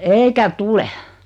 eikä tule